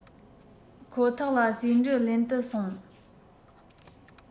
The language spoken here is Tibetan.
ཁོ ཐག ལ ཟེའུ འབྲུ ལེན དུ སོང